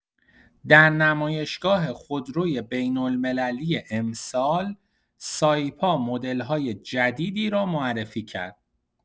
در نمایشگاه خودروی بین‌المللی امسال، سایپا مدل‌های جدیدی را معرفی کرد.